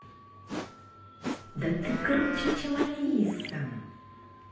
да ты круче чем алиса